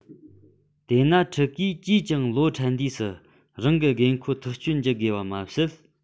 དེ ནི ཕྲུ གུས ཅིས ཀྱང ལོ ཕྲན དུས སུ རང གི དགོས མཁོ ཐག གཅོད བགྱི དགོས པ མ ཟད